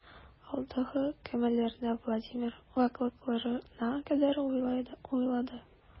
Алдагы гамәлләрне Владимир ваклыкларына кадәр уйлады.